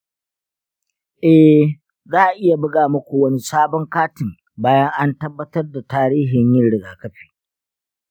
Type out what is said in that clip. eh, za a iya buga muku wani sabon katin bayan an tabbatar da tarihin yin rigakafi.